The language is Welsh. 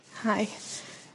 Hi.